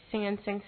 Sɛgɛnsen